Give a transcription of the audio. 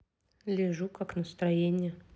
лежу как настроение